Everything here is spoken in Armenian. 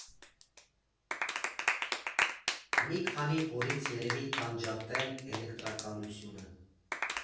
Մի քանի օրից երևի կանջատեն էլեկտրականությունը։